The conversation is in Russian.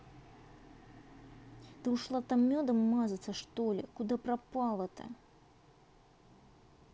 ты ушла там медом мазаться что ли куда пропала то